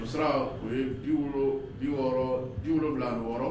Nɛgɛjurusira o ye 60, 76